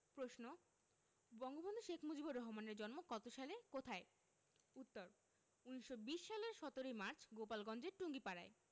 প্রশ্ন বঙ্গবন্ধু শেখ মুজিবুর রহমানের জন্ম কত সালে কোথায় উত্তর ১৯২০ সালের ১৭ ই মার্চ গোপালগঞ্জের টুঙ্গিপাড়ায়